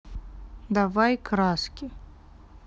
давай краски